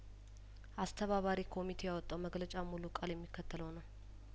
አስተባባሪ ኮሚቴው ያወጣው መግለጫ ሙሉ ቃል የሚከተለው ነው